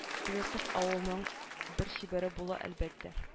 Теге кыз авылның бер чибәре була әлбәттә